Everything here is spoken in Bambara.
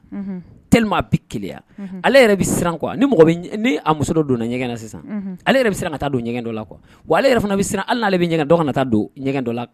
Muso donnagɛn ale siran ka taagɛn la ale bɛale bɛ taa don la